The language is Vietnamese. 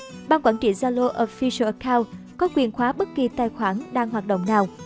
bqt zalo official account có quyền khóa bất kì khoản đang hoạt động nào